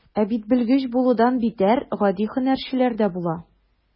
Ә бит белгеч булудан битәр, гади һөнәрчеләр дә була.